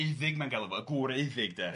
Eiddig mae'n galw fo, gŵr eiddig de. Ia.